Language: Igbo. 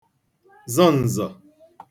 zọ ǹzọ̀